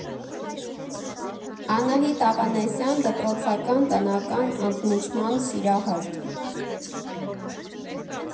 Անահիտ Ավանեսյան, դպրոցական, տնական ընդմիջման սիրահար։